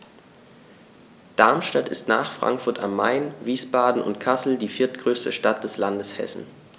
Darmstadt ist nach Frankfurt am Main, Wiesbaden und Kassel die viertgrößte Stadt des Landes Hessen